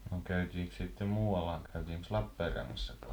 no käytiinkös sitten muualla käytiinkös Lappeenrannassa -